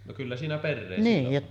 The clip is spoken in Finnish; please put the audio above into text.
no kyllä siinä perää silloin on